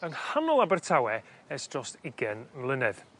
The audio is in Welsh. yng nghanol Abertawe ers drost ugen mlynedd.